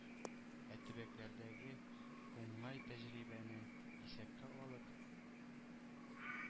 Ә төбәкләрдәге уңай тәҗрибәне исәпкә алып,